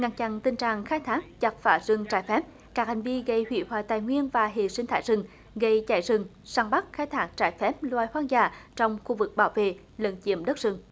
ngăn chặn tình trạng khai thác chặt phá rừng trái phép các hành vi gây hủy hoại tài nguyên và hệ sinh thái rừng gây cháy rừng săn bắt khai thác trái phép loài hoang dã trong khu vực bảo vệ lấn chiếm đất rừng